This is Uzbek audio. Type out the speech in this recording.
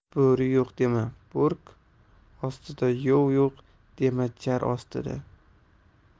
bo'ri yo'q dema bo'rk ostida yov yo'q dema jar ostida